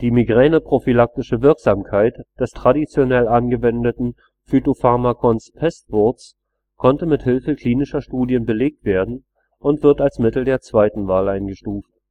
migräneprophylaktische Wirksamkeit des traditionell angewendeten Phytopharmakons Pestwurz konnte mit Hilfe klinischer Studien belegt werden und wird als Mittel der zweiten Wahl eingestuft